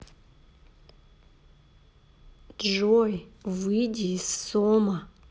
джой выйди из сома